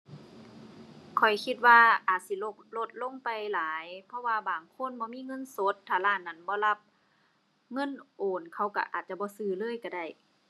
ข้อยคิดว่าอาจสิ ลด ลดลงไปหลายเพราะว่าบางคนบ่มีเงินสดถ้าร้านนั้นบ่รับเงินโอนเขาก็อาจจะบ่ซื้อเลยก็ได้